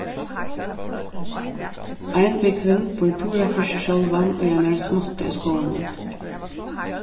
einbúgvin býr púra fyri seg sjálvan í einari smáttu í skóginum